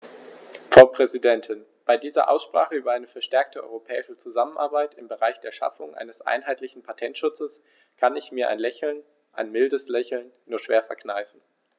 Frau Präsidentin, bei dieser Aussprache über eine verstärkte europäische Zusammenarbeit im Bereich der Schaffung eines einheitlichen Patentschutzes kann ich mir ein Lächeln - ein mildes Lächeln - nur schwer verkneifen.